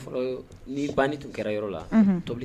Fɔlɔ ni ban ni tun kɛra yɔrɔ la tobili